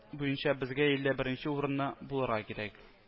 Буенча безгә илдә беренче урынлы булырга кирәк